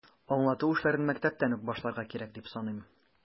Аңлату эшләрен мәктәптән үк башларга кирәк, дип саныйм.